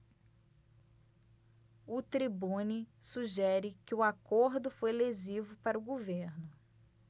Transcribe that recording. o tribune sugere que o acordo foi lesivo para o governo